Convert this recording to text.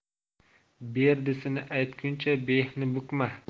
berdisini aytguncha behni bukma